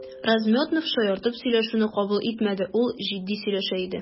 Размётнов шаяртып сөйләшүне кабул итмәде, ул җитди сөйләшә иде.